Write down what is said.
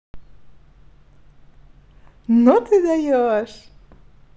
ну ты даешь